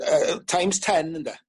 yy times ten ynde.